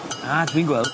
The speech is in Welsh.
A dwi'n gweld.